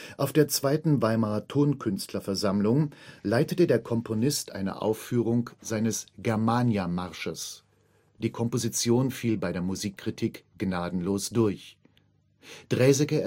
Auf der zweiten Weimarer Tonkünstlerversammlung leitete der Komponist eine Aufführung seines Germania-Marsches. Die Komposition fiel bei der Musikkritik gnadenlos durch. Draeseke